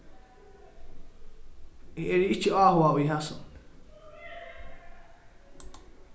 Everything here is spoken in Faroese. eg eri ikki áhugað í hasum